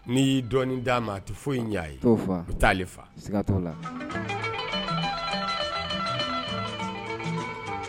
N'i' dɔn d'a ma a tɛ foyi in ɲ ye i bɛ taaale